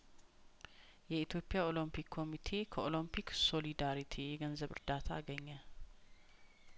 የኢትዮጵያ ኦሎምፒክ ኮሚቴ ከኦሎምፒክ ሶሊዳሪቲ የገንዘብ አርዳታ አገኘ